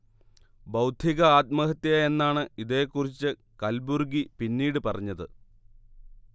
'ബൗദ്ധിക ആത്മഹത്യ' എന്നാണ് ഇതേകുറിച്ച് കൽബുർഗി പിന്നീട് പറഞ്ഞത്